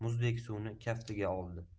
muzdek suvni kaftiga oldi